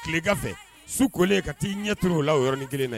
Tileganfɛ, su kolen ka t'i ɲɛ turu o la o yɔrɔnin kelen na